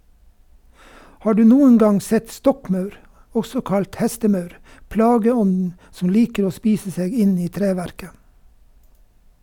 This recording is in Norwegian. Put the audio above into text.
Har du noen gang sett stokkmaur , også kalt hestemaur, plageånden som liker å spise seg inn i treverket?